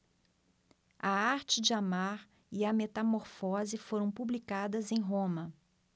a arte de amar e a metamorfose foram publicadas em roma